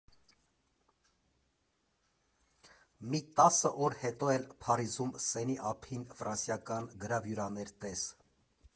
Մի տասը օր հետո էլ Փարիզում Սենի ափին ֆրանսիական գրավյուրաներ տես։